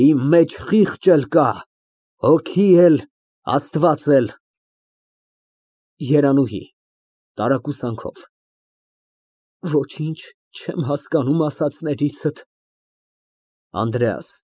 Իմ մեջ խիղճ էլ կա, հոգի էլ, Աստված էլ… ԵՐԱՆՈՒՀԻ ֊ (Տարակուսանքով) Ոչինչ չեմ հասկանում ասածներիցդ… ԱՆԴՐԵԱՍ ֊